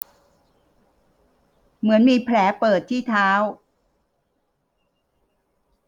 เหมือนมีแผลเปิดที่เท้า